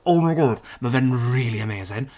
Oh my God Ma' fe'n really amazing.